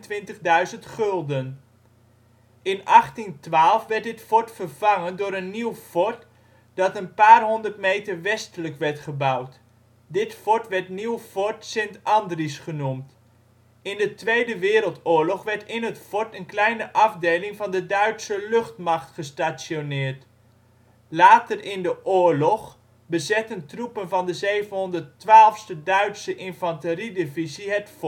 125.000 gulden.) In 1812 werd dit fort vervangen door een nieuw fort dat een paar honderd meter westelijk werd gebouwd. Dit fort werd Nieuw Fort St. Andries genoemd. In de Tweede Wereldoorlog werd in het fort een kleine afdeling van de Duitse luchtmacht gestationeerd. Later in de oorlog bezetten troepen van de 712e Duitse Infanteriedivisie het